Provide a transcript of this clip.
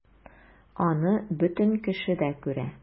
Аны бөтен кеше дә күрә...